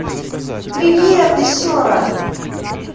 привет еще раз